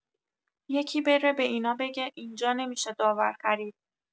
یکی بره به اینا بگه اینجا نمی‌شه داور خرید